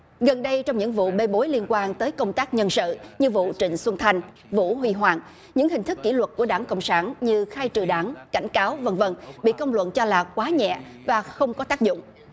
gần đây trong những vụ bê bối liên quan tới công tác nhân sự như vụ trịnh xuân thanh vũ huy hoàng những hình thức kỷ luật của đảng cộng sản như khai trừ đảng cảnh cáo vân vân bị công luận cho là quá nhẹ và không có tác dụng